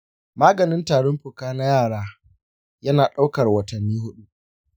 maganin tarin fuka na yara yana ɗaukar watanni huɗu.